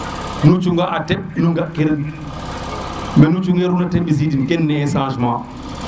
nu cuga a teɓnu ga kiran nanu cu ngerun te mbisi din kene ne e changement